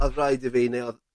odd raid i fi ne' odd